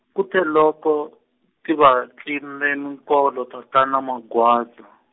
kute loko, ti va tlimbe minkolo tatana Magwaza.